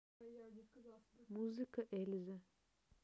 музыка эльзы